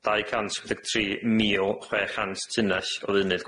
dau cant chwe deg tri mil chwe chant tunnall o ddeunydd